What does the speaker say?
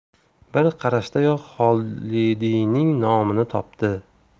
bir qarashdayoq xolidiyning nomini topdi